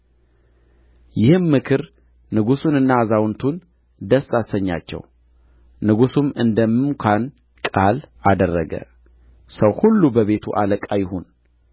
ይህም ምክር ንጉሡንና አዛውንቱን ደስ አሰኛቸው ንጉሡም እንደ ምሙካን ቃል አደረገ ሰው ሁሉ በቤቱ አለቃ ይሁን